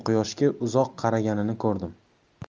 quyoshga uzoq qaraganini ko'rdim